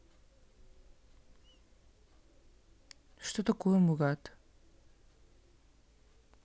что такое мурат